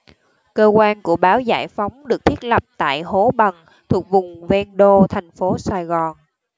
cơ quan của báo giải phóng được thiết lập tại hố bần thuộc vùng ven đô thành phố sài gòn